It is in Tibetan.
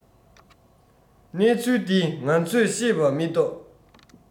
གནས ཚུལ འདི ང ཚོས ཤེས པ མི ཏོག